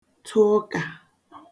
tụ ụkà